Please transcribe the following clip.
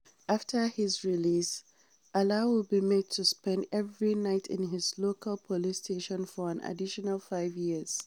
After his release, Alaa will be made to spend every night in his local police station for an additional five years.